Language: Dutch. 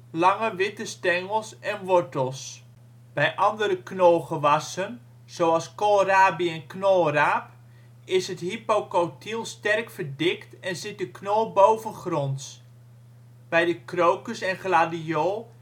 lange witte stengels en wortels. Bij andere knolgewassen, zoals koolrabi en knolraap, is het hypocotyl sterk verdikt en zit de knol bovengronds. Bij de krokus en gladiool